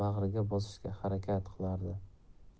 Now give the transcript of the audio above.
bag'riga bosishga harakat qilardi